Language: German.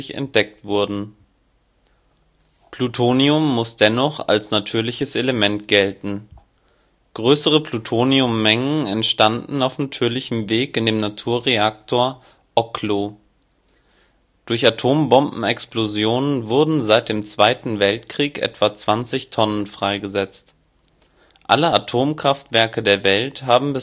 entdeckt wurden. Plutonium muss dennoch auch als natürliches Element gelten. Größere Plutoniummengen entstanden auf natürlichem Weg in dem Naturreaktor Oklo. Durch Atombombenexplosionen wurden seit dem Zweiten Weltkrieg etwa 20 t freigesetzt. Alle Atomkraftwerke der Welt haben